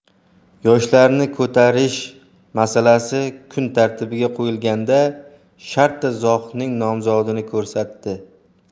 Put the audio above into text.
yoshlarni ko'tarish masalasi kun tartibiga qo'yilganda shartta zohidning nomzodini ko'rsatdi